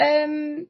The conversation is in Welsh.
yym